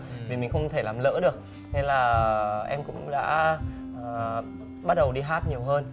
thì mình không thể làm lỡ được nên là em cũng đã bắt đầu đi hát nhiều hơn